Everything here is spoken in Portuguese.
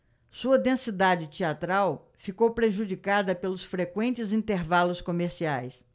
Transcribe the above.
sua densidade teatral ficou prejudicada pelos frequentes intervalos comerciais